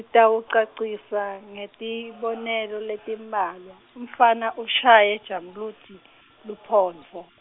-tawucacisa ngetibonelo letimbalwa, umfana ushaye Jamludi luphondvo.